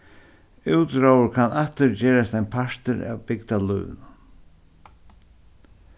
útróður kann aftur gerast ein partur av bygdarlívinum